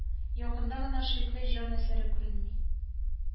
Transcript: Якында гына шикле җан әсәре күренми